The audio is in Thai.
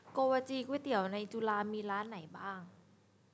โกวาจีก๋วยเตี๋ยวในจุฬามีร้านไหนบ้าง